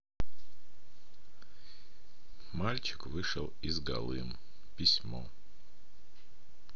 мальчик вышел из голым письмо